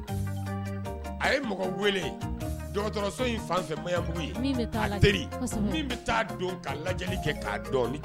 A ye mɔgɔ dɔgɔtɔrɔ fanfɛyabugu' teri min bɛ ka kɛ k